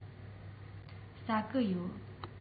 ཟ ཀི ཡོད